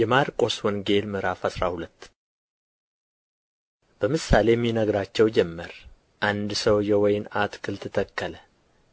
የማርቆስ ወንጌል ምዕራፍ አስራ ሁለት በምሳሌም ይነግራቸው ጀመር አንድ ሰው የወይን አትክልት ተከለ